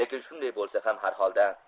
lekin shunday bo'isa ham har holda